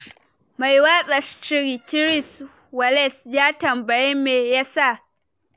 Mai watsa shiri Chris Wallace ya tambayi me yasa.